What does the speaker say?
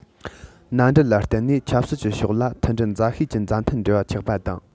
མནའ འབྲེལ ལ བརྟེན ནས ཆབ སྲིད ཀྱི ཕྱོགས ལ མཐུན སྒྲིལ མཛའ བཤེས ཀྱི མཛའ མཐུན འབྲེལ བ ཆགས པ དང